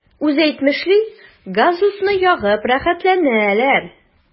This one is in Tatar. Үзе әйтмешли, газ-утны ягып “рәхәтләнәләр”.